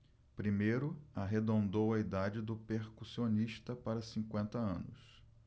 primeiro arredondou a idade do percussionista para cinquenta anos